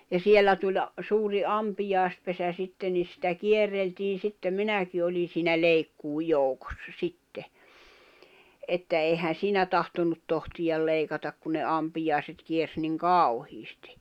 ja siellä tuli suuri ampiaispesä sitten niin sitä kierreltiin sitten minäkin olin siinä leikkuun joukossa sitten että eihän siinä tahtonut tohtia leikata kun ne ampiaiset kiersi niin kauheasti